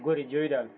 goori joyyi dal